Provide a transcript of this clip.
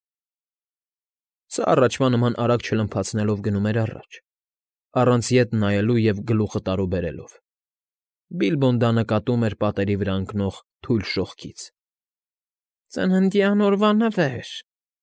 Սա առաջվա նման արագ չլմփացնելով գնում էր առաջ, առանց ետ նայելու և գլուխը տարուբերելով։֊ Բիլբոն դա նկատում էր պատերի վրա ընկնող թույլ շողքից։ ֊ Ծննդյան օրվա նվեր…